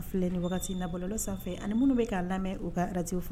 A filɛ ni wagati nan bɔlɔlɔ sanfɛ ani minnu bɛ' lamɛn u ka radio f